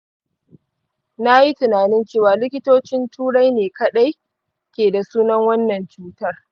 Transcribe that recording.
na yi tunanin cewa likitocin turai ne kaɗai ke da sunan wannan cutar.